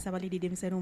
Sabali de denmisɛnninw